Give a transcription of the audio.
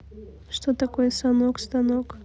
что такое станок станок